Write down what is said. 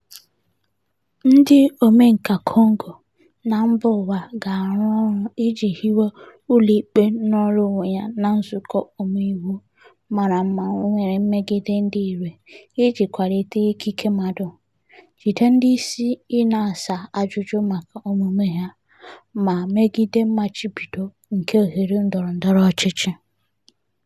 Ndị omenkà Congo na mbaụwa ga-arụ ọrụ iji hiwe ụlọikpe nọọrọ onwe ya na nzukọ omeiwu mara mma nwere mmegide dị irè iji kwalite ikike mmadụ, jide ndị isi ị na-aza ajụjụ maka omume ha, ma megide mmachibido nke oghere ndọrọndọrọ ọchịchị.